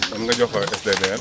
kon nga jox SDDR